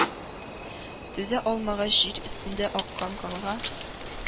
Түзә алмагач җир өстендә аккан канга,